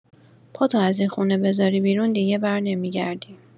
پاتو از این خونه بزاری بیرون دیگه برنمی‌گردی.